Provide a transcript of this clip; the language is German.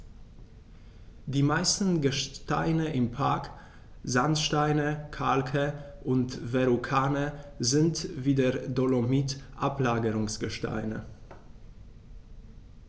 Die meisten Gesteine im Park – Sandsteine, Kalke und Verrucano – sind wie der Dolomit Ablagerungsgesteine.